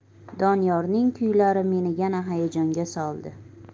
doniyorning kuylari meni yana hayajonga soldi